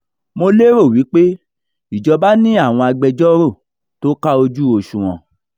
Mo lérò wípé ìjọba ní àwọn agbẹjọ́rò tó ká ojú òṣùwọ̀n.